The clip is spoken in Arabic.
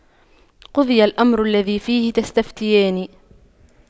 قُضِيَ الأَمرُ الَّذِي فِيهِ تَستَفِتيَانِ